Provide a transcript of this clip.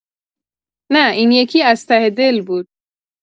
نه، این یکی‌از ته دل بود.